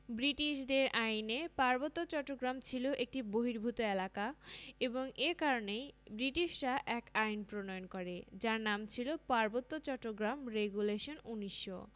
বৃটিশদের আইনে পার্বত্য চট্টগ্রাম ছিল একটি বহির্ভূত এলাকা এবং এ কারণেই বৃটিশরা এক আইন প্রণয়ন করে যার নাম ছিল পার্বত্য চট্টগ্রাম রেগুলেশন ১৯০০